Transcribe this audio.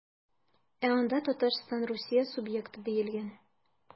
Ә анда Татарстан Русия субъекты диелгән.